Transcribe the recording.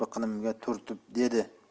biqinimga turtib dedi